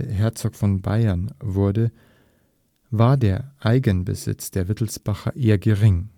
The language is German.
Herzog von Bayern wurde, war der Eigenbesitz der Wittelsbacher eher gering